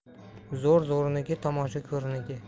zo'r zo'rniki tomosha ko'rniki